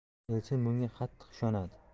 elchin bunga qattiq ishonadi